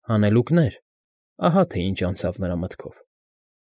Հանելուկներ, ահա թե ինչ անցավ նրա մտքով։